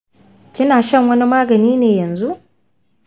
kina shan wani magani ne yanzu?